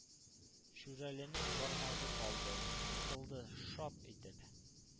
Шүрәленең бармагы калды — кысылды шап итеп.